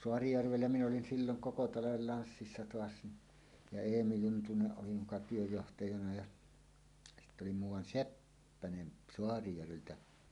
Saarijärvellä minä olin silloin koko talven lanssissa taas niin ja Eemi Juntunen oli muka työnjohtajana ja sitten oli muuan Seppänen Saarijärveltä